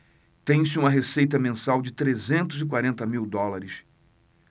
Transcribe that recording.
tem-se uma receita mensal de trezentos e quarenta mil dólares